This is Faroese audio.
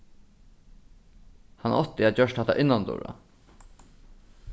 hann átti at gjørt hatta innandura